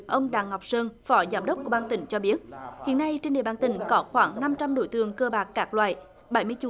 ông đặng ngọc sơn phó giám đốc của ban tỉnh cho biết hiện nay trên địa bàn tỉnh có khoảng năm trăm đối tượng cờ bạc các loại bảy mươi chủ